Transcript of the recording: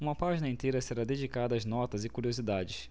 uma página inteira será dedicada a notas e curiosidades